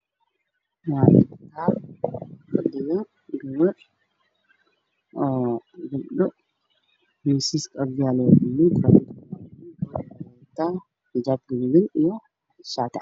Meeshaan waa xafiis ha iga muuqdo meel ay gabdho fadhiyaan gabdhan ay yihiin dhakhaatiir koodana la daaweynaayo kuwana afka u xiranyahay maaskaro